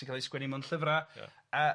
sy'n ca'l ei sgwennu mewn llyfra... Ia...